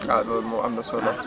ah loolu moom am na solo